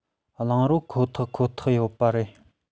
རླངས རོ ཁོ ཐག ཁོ ཐག ཡོད པ རེད